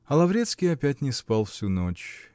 А Лаврецкий опять не спал всю ночь.